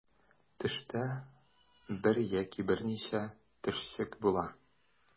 Төштә бер яки берничә төшчек була.